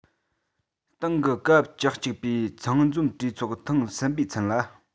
ཏང གི སྐབས བཅུ གཅིག པའི ཚང འཛོམས གྲོས ཚོགས ཐེངས གསུམ པའི ཚུན ལ